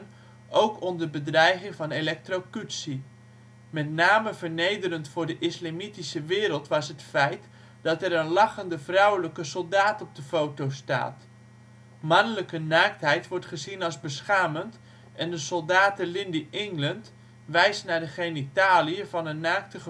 ook onder bedreiging van elektrocutie. Met name vernederend in de Islamitische wereld is het feit dat er een lachende vrouwelijke soldaat op de foto 's staat; mannelijke naaktheid wordt gezien als beschamend en de soldate Lynndie England wijst naar de genitaliën van een naakte